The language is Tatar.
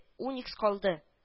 “уникс” калды